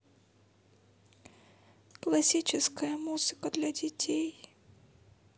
классическая музыка для детей